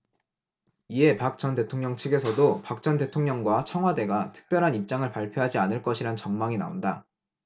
이에 박 전 대통령 측에서도 박 전 대통령과 청와대가 특별한 입장을 발표하지 않을 것이란 전망이 나온다